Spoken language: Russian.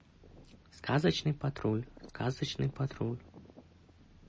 сказочный патруль сказочный патруль